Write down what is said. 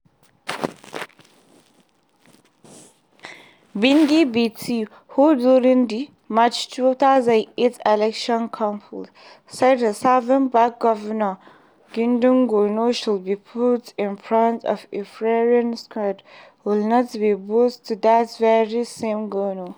Tendai Biti who, during the March 2008 election campaign said Reserve Bank Governor Gideon Gono “should be put in front of a firing squad” will now be boss to that very same Gono.